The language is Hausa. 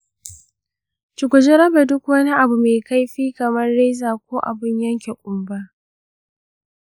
ki guji raba duk wani abu mai kaifi kaman reza ko abun yanke ƙumba.